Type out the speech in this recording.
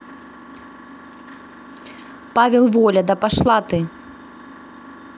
павел воля да пошла ты